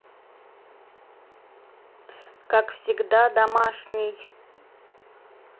как всегда домашний